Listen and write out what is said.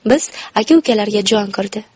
biz aka ukalarga jon kirdi